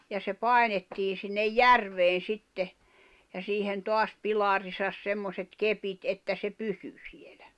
ja se painettiin sinne järveen sitten ja siihen taas pilariinsa semmoiset kepit että se pysyi siellä